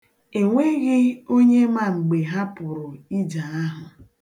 E nweghị onye ma mgbe ha pụrụ ije ahụ.